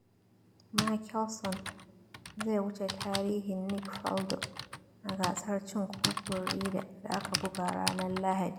Mickelson zai wuce tarihin Nick Faldo a gasar cin kofin Ryder da aka buga ranar Lahadi.